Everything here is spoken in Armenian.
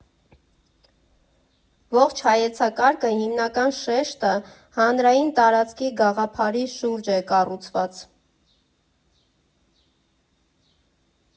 Ողջ հայեցակարգը հիմնական շեշտը հանրային տարածքի գաղափարի շուրջ է կառուցված։